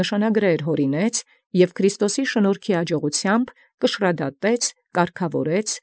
Իւրում և յաջողութեամբ Քրիստոսի շնորհացն կարգեալ և հաստատեալ կշռէր։